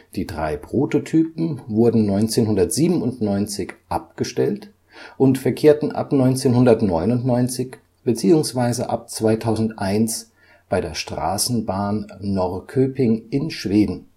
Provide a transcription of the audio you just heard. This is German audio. Die drei Prototypen wurden 1997 abgestellt und verkehrten ab 1999, beziehungsweise ab 2001 bei der Straßenbahn Norrköping in Schweden